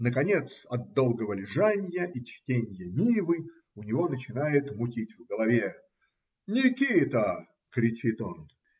Наконец от долгого лежанья и чтенья "Нивы" у него начинает мутить в голове. - Никита! - кричит он.